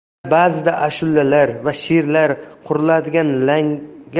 ular ba'zida ashulalar va she'rlar quriladigan